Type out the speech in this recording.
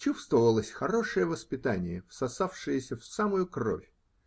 Чувствовалось хорошее воспитание, всосавшееся в самую кровь.